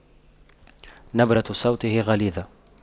نبرة صوته غليظة